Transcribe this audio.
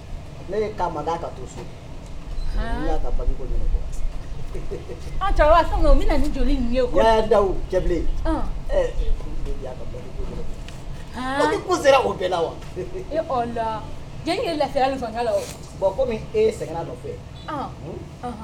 'a fɛn bɛna ni joli da sera o bɛɛ la wa ye lafiya fan e ye nɔfɛ